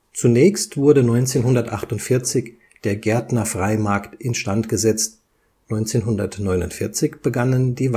Zunächst wurde 1948 der Gärtnerfreimarkt instand gesetzt, 1949 begannen die